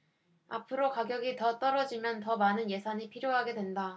앞으로 가격이 더 떨어지면 더 많은 예산이 필요하게 된다